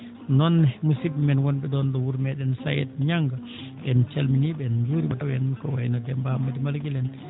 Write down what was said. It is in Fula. noon ne musidɓe men wonɓe ɗoon ɗo wuro meeɗen Saed Ñagga en calminii ɓe en njuuriima ko wayi no Demba Amadou Malaqil en